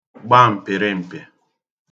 gba m̀pị̀rịm̀pị̀